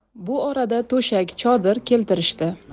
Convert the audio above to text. bu orada to'shak chodir keltirishdi